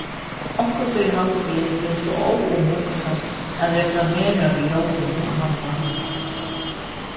onkuntíð haldi eg tað er so óumhugsað at reklamera við jólum á handan hátt